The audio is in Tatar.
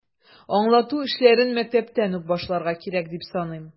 Аңлату эшләрен мәктәптән үк башларга кирәк, дип саныйм.